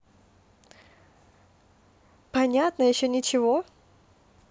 понятно еще ничего